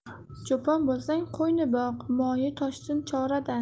cho'pon bo'lsang qo'yni boq moyi toshsin choradan